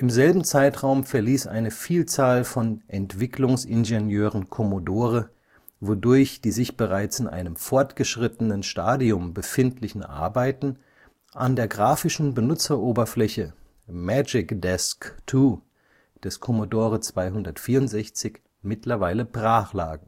selben Zeitraum verließ eine Vielzahl von Entwicklungsingenieuren Commodore, wodurch die sich bereits in einem fortgeschrittenen Stadium befindlichen Arbeiten an der grafischen Benutzeroberfläche Magic Desk II des Commodore 264 mittlerweile brachlagen